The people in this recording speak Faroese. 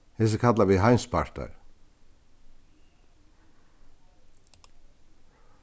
hesi kalla vit heimspartar